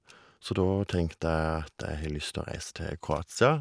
Så da tenkte jeg at jeg har lyst å reise til Kroatia.